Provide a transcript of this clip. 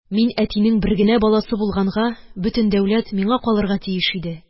Мин әтинең бер генә баласы булганга, бөтен дәүләт миңа калырга тиеш иде.